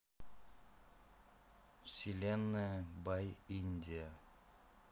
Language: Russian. вселенная by индия